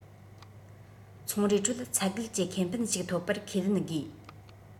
ཚོང རའི ཁྲོད ཚད བརྒལ གྱི ཁེ ཕན ཞིག ཐོབ པར ཁས ལེན དགོས